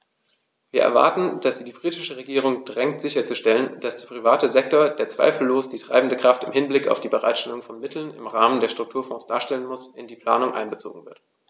Wir erwarten, dass sie die britische Regierung drängt sicherzustellen, dass der private Sektor, der zweifellos die treibende Kraft im Hinblick auf die Bereitstellung von Mitteln im Rahmen der Strukturfonds darstellen muss, in die Planung einbezogen wird.